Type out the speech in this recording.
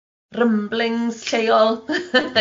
Rymblings lleol ie.